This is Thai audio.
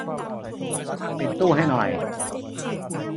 ปิดตู้ให้หน่อย